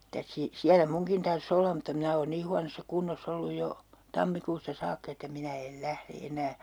mitäs - siellä munkin tarvitsisi olla mutta minä olen niin huonossa kunnossa ollut jo tammikuusta saakka että minä en lähde enää